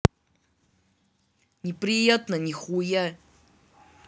неприятно нихуя